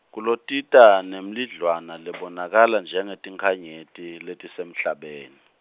Kulotita nemlidlwana lebonakala njengetinkhanyeti, letisemhlabeni.